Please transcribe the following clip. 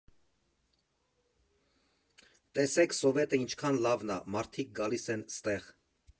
Տեսեք Սովետը ինչքան լավն ա, մարդիկ գալիս են ստեղ։